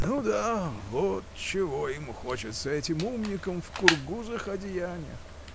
— Ну да, вот чего им хочется, этим умникам в кургузых одеяниях!